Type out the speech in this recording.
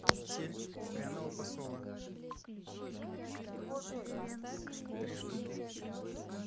пикник не в опере венской